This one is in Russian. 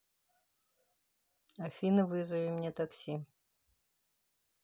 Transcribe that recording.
афина вызови мне такси